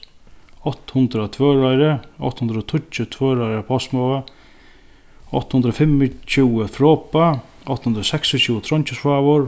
átta hundrað tvøroyri átta hundrað og tíggju tvøroyri postsmoga átta hundrað og fimmogtjúgu froðba átta hundrað og seksogtjúgu trongisvágur